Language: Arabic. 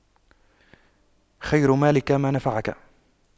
خير مالك ما نفعك